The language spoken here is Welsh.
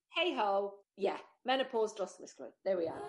hey ho. Ie. Menopos dros misglwyf. There we are.